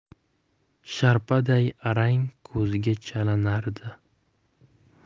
sharpaday arang ko'zga chalinardi